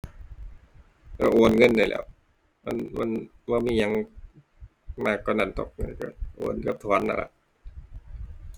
ก็โอนเงินนี่แหล้ว มัน มันบ่มีหยังมากกว่านั้นดอก มันก็โอนกับถอนนั่นล่ะ